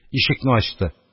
Ишекне ачты.